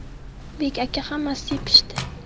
bek aka hammasi pishdi